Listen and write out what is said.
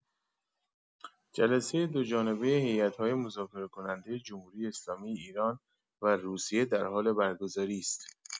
جلسه دوجانبه هیات‌های مذاکره‌کننده جمهوری‌اسلامی ایران و روسیه در حال برگزاری است.